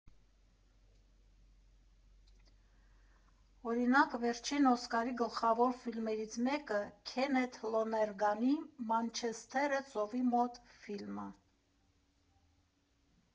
Օրինակ՝ վերջին Օսկարի գլխավոր ֆիլմերից մեկը՝ Քենեթ Լոներգանի «Մանչեսթերը ծովի մոտ» ֆիլմը։